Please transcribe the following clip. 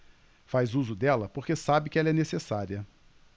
faz uso dela porque sabe que ela é necessária